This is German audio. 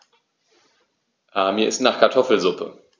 Mir ist nach Kartoffelsuppe.